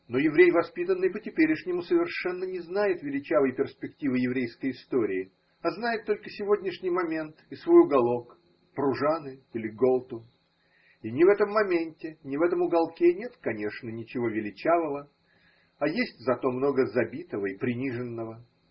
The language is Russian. Но еврей, воспитанный по-теперешнему, совершенно не знает величавой перспективы еврейской истории, а знает только сегодняшний момент и свой уголок – Пружаны или Голту,– и ни в этом моменте, ни в этом уголке нет, конечно, ничего величавого, а есть зато много забитого и приниженного.